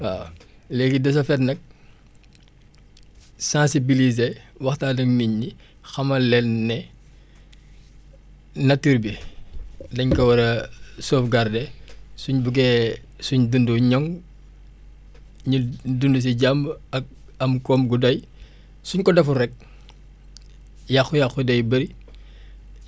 waaw léegi de ce fait nag sensibiliser waxtaan ak nit ñi xamal leen ne nature bi dañ ko war a sauvegarder suñ buggee suñ dund ñoŋ énu dund si jàmm ak am koom gu doy suñ ko deful rek yàqu-yàqu day bëri